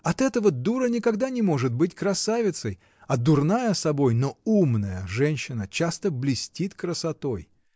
От этого дура никогда не может быть красавицей, а дурная собой, но умная женщина часто блестит красотой.